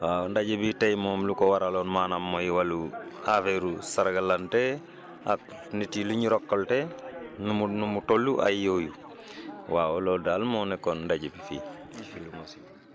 waaw ndaje bii tey moom lu ko waraloon maanaam mooy wàllu affaire sargalante ak nit yi lu ñu récolter nu mu nu mu toll ay yooyu waaw loolu daal moo nekkoon ndaje bi fii